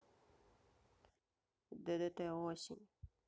ддт осень